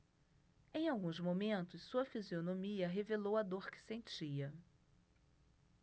em alguns momentos sua fisionomia revelou a dor que sentia